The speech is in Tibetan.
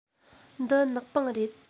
འདི ནག པང རེད